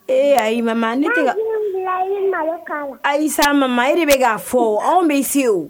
Ee ayilima ne ayisa mama i bɛ k fɔ anw bɛ se